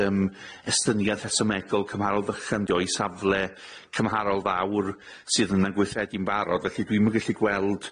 Yym, estyniad rhesymegol cymharol ddychan 'di o, i safle cymharol fawr sydd yn y gweithredu'n barod. Felly dwi'm yn gellu gweld